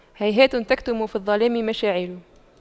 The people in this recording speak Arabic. هيهات تكتم في الظلام مشاعل